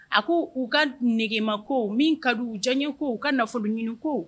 A ko u ka nɛgɛgema ko min ka di u diya ko u ka nafolo ɲini ko